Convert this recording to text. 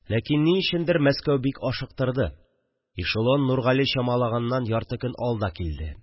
Ләкин ни өчендер Мәскәү бик ашыктырды, эшелон Нургали чамалаганнан ярты көн алда килде